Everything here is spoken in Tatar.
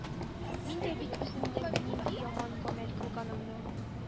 Мин дә бит үземнең нинди яман гамәл кылганымны